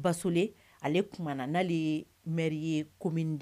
Basule ale kumana n'ale ye maire ye commune II